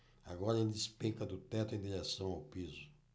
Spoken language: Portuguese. agora ele despenca do teto em direção ao piso